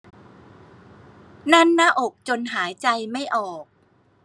แน่นหน้าอกจนหายใจไม่ออก